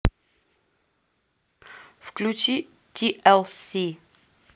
включи ти эл си